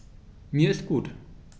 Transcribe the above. Mir ist gut.